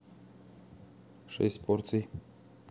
шесть порций